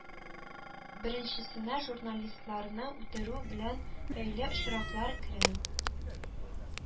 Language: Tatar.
Беренчесенә журналистларны үтерү белән бәйле очраклар керә